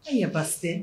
Yafase